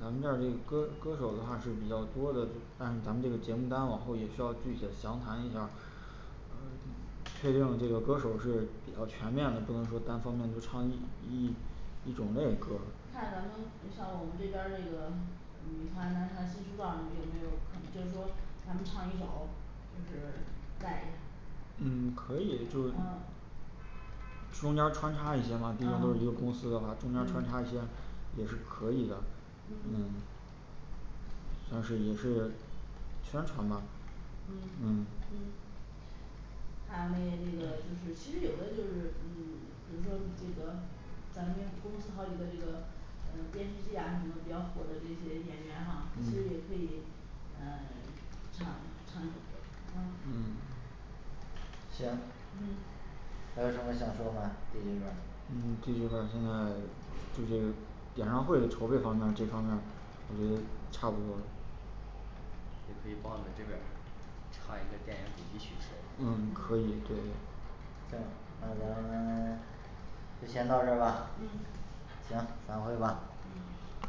咱们这儿那歌歌手的话是比较多的但是咱们这节目单往后也需要具体的详谈一下儿确定这个歌手儿是比较全面的不能是单方面就唱一一一种类的歌儿看咱们像我们这边儿这个女团男团新出道你们有没有可能就是说咱们唱一首就是带一下嗯可以就是嗯中间儿穿插一些话就是说啊一个公司的话中间儿穿嗯插一些也是可以的嗯但是也是宣传嘛嗯嗯嗯还有那些这个就是其实有的就是嗯比如说这个咱们这公司好几个这个嗯电视剧呀什么比较火的这些演员哈其实也可嗯以嗯 唱一唱一首歌嗯嗯行嗯还有什么想说吗D这边儿嗯D这边儿现在就是演唱会的筹备方面儿这方面儿我觉得差不多也可以帮我们这边儿唱一些电影主题曲什么的嗯可以嗯对行那咱们 就先到这儿吧嗯行散会吧嗯